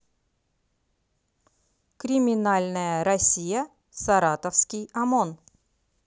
криминальная россия саратовский омон